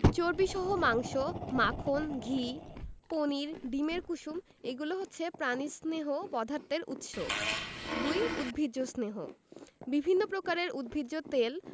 চর্বিসহ মাংস মাখন ঘি পনির ডিমের কুসুম এগুলো হচ্ছে প্রাণিজ স্নেহ পদার্থের উৎস ২. উদ্ভিজ্জ স্নেহ বিভিন্ন প্রকারের উদ্ভিজ তেল